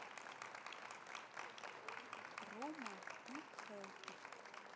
рома и хелпик